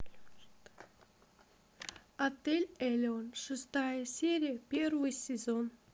отель элеон шестая серия первый сезон